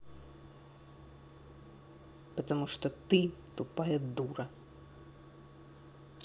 потому что ты тупая дура